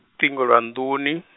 -tingo lwa nḓuni.